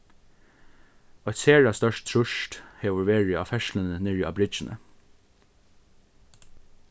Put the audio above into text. eitt sera stórt trýst hevur verið á ferðsluni niðri á bryggjuni